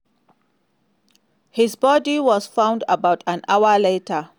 His body was found about an hour later.